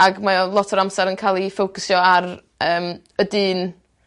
Ag mae o lot o'r amser yn ca'l 'i ffocysio ar yym y dyn